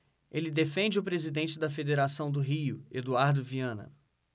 ele defende o presidente da federação do rio eduardo viana